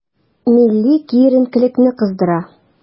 Милли киеренкелекне кыздыра.